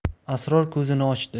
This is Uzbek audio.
asror ko'zini ochdi